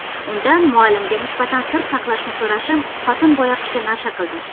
undan muallimga nisbatan sir saqlashni so'rashim xotin boyoqishga nasha qildi